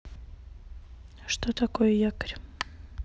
что такое якорь